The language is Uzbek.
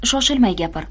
shoshilmay gapir